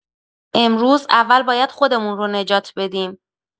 امروز اول باید خودمون رو نجات بدیم.